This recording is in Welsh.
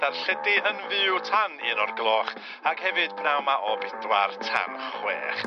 darlledu yn fyw tan un o'r gloch, ag hefyd pnawn 'ma o bedwar tan chwech.